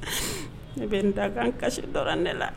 ,Ne bɛ n da k'an kasi dɔrɔn de la.